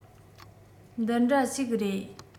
འདི འདྲ ཞིག རེད